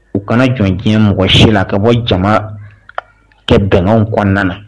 U kana jɔn diɲɛ mɔgɔ sela ka bɔ jama ka bɛnw kɔnɔna na